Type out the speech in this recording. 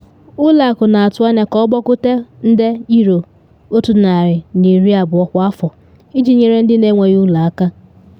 Ụlọ Akụ na atụ anya ka ọ gbagote nde £120 kwa afọ - iji nyere ndị na enweghị ụlọ aka